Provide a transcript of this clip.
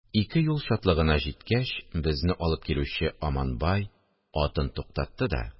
Ике юл чатлыгына җиткәч, безне алып килүче Аманбай атын туктатты да